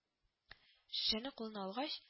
Шешәне кулына алгач